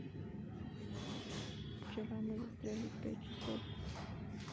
вчера мы застряли пять часов